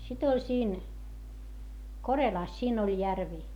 sitten oli siinä Korelassa siinä oli järvi